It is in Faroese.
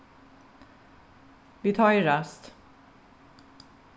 vit hoyrast